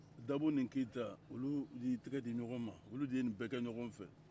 dabo ni keyita olu ye u tɛgɛ di di ɲɔgɔn ma olu de ye nin bɛɛ kɛ ɲɔgɔn fɛ